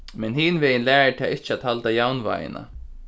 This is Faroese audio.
men hinvegin lærir tað ikki at halda javnvágina